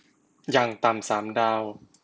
อย่างต่ำสามดาว